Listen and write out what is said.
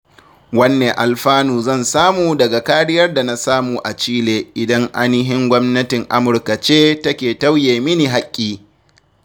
Wanne alfanu zan samu daga kariyar da na samu a Chile idan anihin Gwamnatin Amurka ce take tauye mini haƙƙi?